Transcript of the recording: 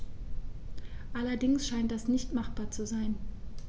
Allerdings scheint das nicht machbar zu sein.